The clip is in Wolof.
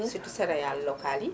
surtout céréales locales yi